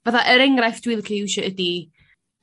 fydda' er enghraifft ydy